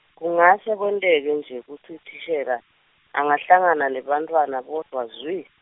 kungase kwenteke aje kutsi thishela angahlangana nebantfwana bodvwana zwi.